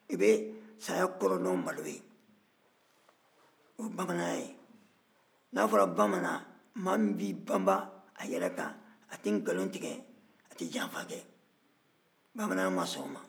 i bɛ saya kɔrɔdɔn ni malo ye o ye bamananya ye n'a fɔra bamanan maa min b'i banba a yɛrɛ kan a tɛ nkalon tigɛ a tɛ janfa kɛ bamananya ma sɔn o ma